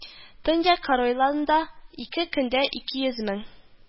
Төньяк Каролайнада ике көндә ике йөз мең